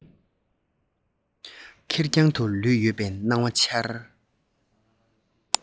ཁེར རྐྱང དུ ལུས ཡོད པའི སྣང བ འཆར